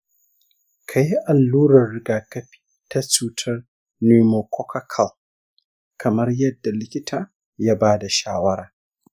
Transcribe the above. ka yi allurar rigakafi ta cutar pneumococcal kamar yadda likita ya ba da shawara.